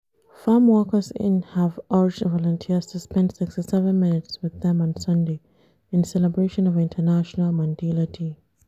Farm workers in have urged volunteers to spend 67 minutes with them on Sunday, in celebration of International Mandela Day.